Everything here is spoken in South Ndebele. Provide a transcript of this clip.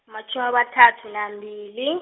matjhumi amathathu, nambili.